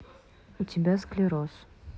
у тебя склероз